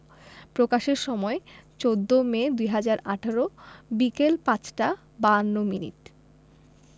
প্রকাশের সময় ১৪মে ২০১৮ বিকেল ৫টা ৫২ মিনিট